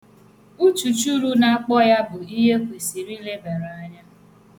Uchuchuru na-akpọ ya bụ ihe ekwesịrị ilebara anya.